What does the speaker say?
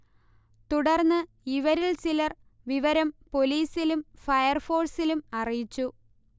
തുടർന്ന് ഇവരിൽ ചിലർ വിവരം പൊലീസിലും ഫയർഫോഴ്സിലും അറിയിച്ചു